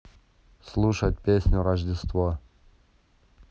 слушать песню рождество